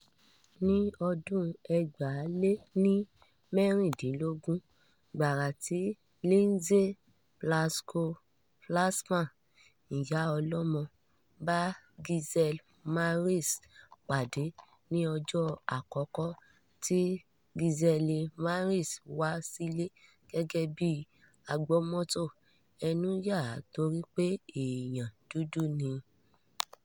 Ní ọdún 2016, gbàrà ti Lynsey Plasco-Flaxman, ìyá ọlọ́mọ, bá Giselle Maurice pàdé ní ọjọ́ àkọ́kọ́ tí Giselle Maurice wá sílẹ̀ gẹ́gẹ́ bí agbọmọtọ́, ẹnú yà á torí pé èèyàn dúdú ni i.